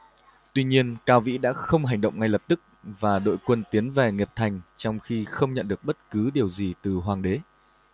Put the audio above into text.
tuy nhiên cao vĩ đã không hành động ngay lập tức và đội quân tiến về nghiệp thành trong khi không nhận được bất kỳ điều gì từ hoàng đế